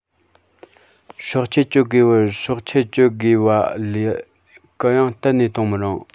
སྲོག ཆད གཅོད དགོས པར སྲོག ཆད གཅོད དགོས པ ལས གུ ཡངས གཏན ནས གཏོང མི རུང